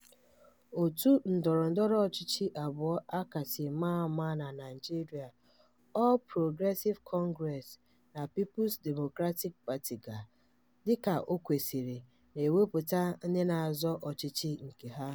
Òtù ndọrọ ndọrọ ọchịchị abụọ a kasị maa ama na Naịjirịa, All Progressive Congress na Peoples Democratic Party, ga, dị ka o kwesịrị, na-ewepụta ndị na-azọ ọchịchị nke ha: